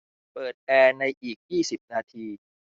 เปิดแอร์ในอีกยี่สิบนาที